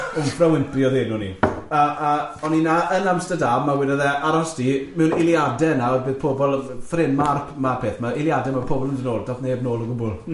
Wmfra Wimpy oedd enw ni. A- A- o'n i'n yy yn Amsterdam a wedodd e, aros di, mewn eiliadau nawr bydd pobl ff- ffrima'r p- ma'r peth, ma' eiliadau, ma' pobl yn dod nôl, daeth neb nôl o gwbl.